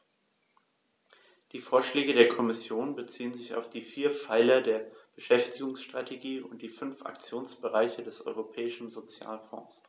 Die Vorschläge der Kommission beziehen sich auf die vier Pfeiler der Beschäftigungsstrategie und die fünf Aktionsbereiche des Europäischen Sozialfonds.